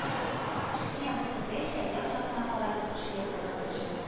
Ишекне ябып кергәч тә, як-ягына каранып, кеше юклыгын тикшерә